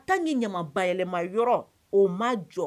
A taa ni ɲamabayɛlɛ yɔrɔ o ma jɔ